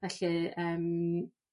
Felly yym.